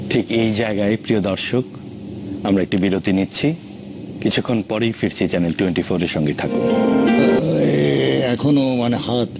ঠিক এই জায়গায় পরিদর্শক আমরা একটি বিরতি নিচ্ছি কিছুক্ষণ পরেই ফিরছি চ্যানেল টোয়েন্টিফোরের সঙ্গে থাকুন এখনো মানে হাত